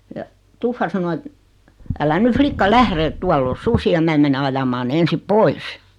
ja tuffa sanoi että älä nyt likka lähde että tuolla on susia minä menen ajamaan ne ensin pois